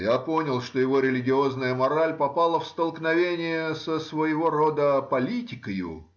Я понял, что его религиозная мораль попала в столкновение с своего рода политикою.